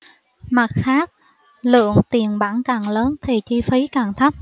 mặt khác lượng tiền bẩn càng lớn thì chi phí càng thấp